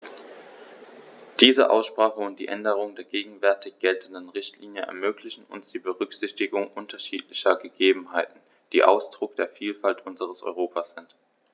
Diese Aussprache und die Änderung der gegenwärtig geltenden Richtlinie ermöglichen uns die Berücksichtigung unterschiedlicher Gegebenheiten, die Ausdruck der Vielfalt unseres Europas sind.